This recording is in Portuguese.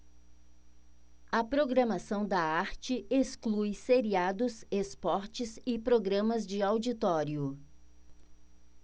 a programação da arte exclui seriados esportes e programas de auditório